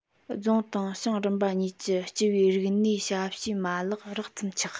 རྫོང དང ཞང རིམ པ གཉིས ཀྱི སྤྱི པའི རིག གནས ཞབས ཞུའི མ ལག རགས ཙམ ཆགས